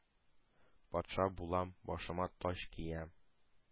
Патша булам, башыма таҗ киям,